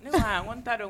Ne ko n t'a dɔn